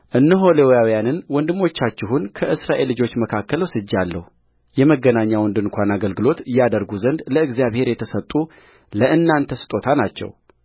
እነሆ ሌዋውያንን ወንድሞቻችሁን ከእስራኤል ልጆች መካከል ወስጄአለሁ የመገናኛውን ድንኳን አገልግሎት ያደርጉ ዘንድ ለእግዚአብሔር የተሰጡ ለእናንተ ስጦታ ናቸው